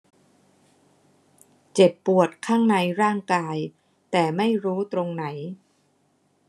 เจ็บปวดข้างในร่างกายแต่ไม่รู้ตรงไหน